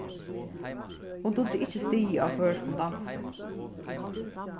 hon dugdi ikki stigið á føroyskum dansi